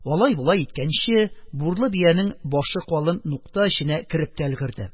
Алай-болай иткәнче, бурлы биянең башы калын нукта эченә, кереп тә өлгерде.